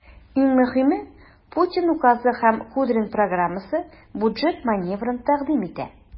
Иң мөһиме, Путин указы һәм Кудрин программасы бюджет маневрын тәкъдим итә.